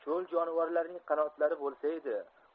cho'l jonivorlarining qanotlari boisaydi